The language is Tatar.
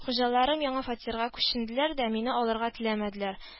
Хуҗаларым яңа фатирга күченделәр дә, мине алырга теләмәделәр